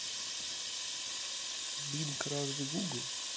bing разве google